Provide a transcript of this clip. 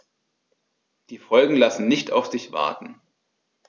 Die Folgen lassen nicht auf sich warten.